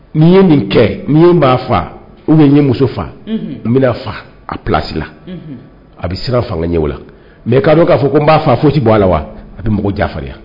Ni ye nin kɛ ni ye ma faa ubiyɛn n ye muso faa n bɛna fa a plasi la a bɛ sira fanga ɲɛ o la mɛ ka dɔn k'a fɔ ko n b'a faa foyi tɛ bɔ' a la wa a bɛ mɔgɔ jafarinya.